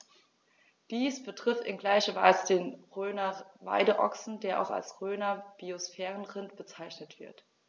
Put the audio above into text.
Dies betrifft in gleicher Weise den Rhöner Weideochsen, der auch als Rhöner Biosphärenrind bezeichnet wird.